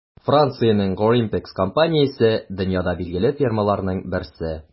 Франциянең Gorimpex компаниясе - дөньяда билгеле фирмаларның берсе.